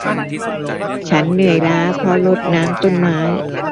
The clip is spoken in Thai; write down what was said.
ฉันเหนื่อยล้าเพราะรดน้ำต้นไม้